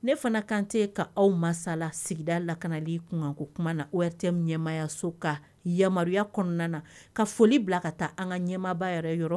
Ne fana kan ti ka aw masasala sigida lakanali kunka ko kuma na O R T M ɲɛmayaso ka yamaruya kɔnɔna na. Ka foli bila ka taa an ka ɲɛmaaba yɛrɛ yɔrɔ.